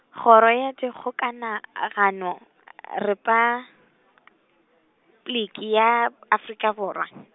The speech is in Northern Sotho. Kgoro ya Dikgokanagano- , Repabliki ya, Afrika Borwa.